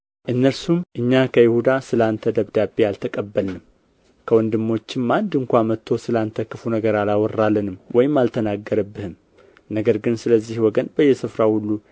እነርሱም እኛ ከይሁዳ ስለ አንተ ደብዳቤ አልተቀበልንም ከወንድሞችም አንድ ስንኳ መጥቶ ስለ አንተ ክፉ ነገር አላወራልንም ወይም አልተናገረብህም ነገር ግን ስለዚህ ወገን በየስፍራው ሁሉ